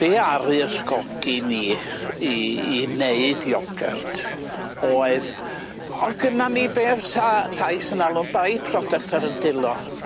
Be' aru ysgogi ni i i neud iogyrt oedd o' gynna ni be o'dd Sa- Sais yn alw yn dau product ar 'yn dwylo.